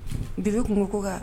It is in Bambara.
Bebe tun ko ko ka